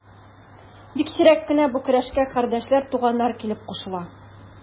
Бик сирәк кенә бу көрәшкә кардәшләр, туганнар килеп кушыла.